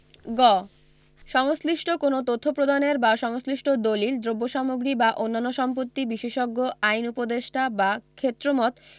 গ সংশ্লিষ্ট কোন তথ্য প্রদানের বা সংশ্লিষ্ট দলিল দ্রব্যসামগ্রী বা অন্যান্য সম্পত্তি বিশেষজ্ঞ আইন উপদেষ্টা বা ক্ষেত্রমত